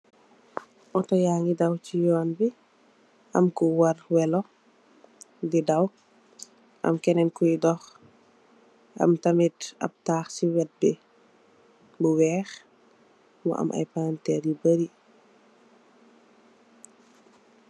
Auto yangi daw si yuun bi am ko war welu di daw am kenen koi dox am tamit ap tax si weet bi bu weex mu am ay palanterr yu bari.